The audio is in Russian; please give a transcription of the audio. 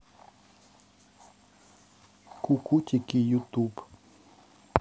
кукутики ютуб